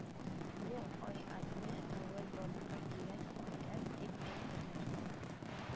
Бу айатне әүвәл барлыкка килгән айат дип әйтерләр